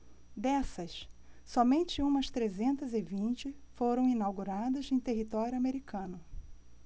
dessas somente umas trezentas e vinte foram inauguradas em território americano